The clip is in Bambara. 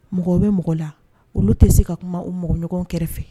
Mɔgɔ bɛ mɔgɔ la olu tɛ se ka kuma u mɔgɔɲɔgɔn kɛrɛfɛ